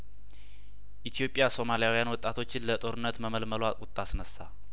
ኢትዮጵያ ሶማሊያውያን ወጣቶችን ለጦርነት መመልመሏ ቁጣ አስነሳ